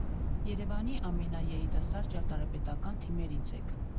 Երևանի ամենաերիտասարդ ճարտարապետական թիմերից եք։